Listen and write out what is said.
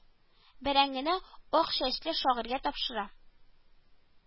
Бәрәңгене Ак чәчле шагыйрьгә тапшыра